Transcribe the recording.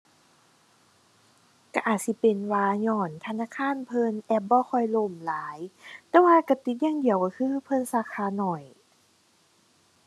ก็อาจสิเป็นว่าญ้อนธนาคารเพิ่นแอปบ่ค่อยล่มหลาย แต่ว่าก็ติดอย่างเดียวก็คือ เพิ่นสาขาน้อย